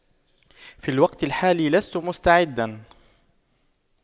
في الوقت الحالي لست مستعدا